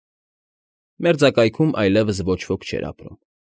Մերձակայքում այլևս ոչ ոք չէր ապրում։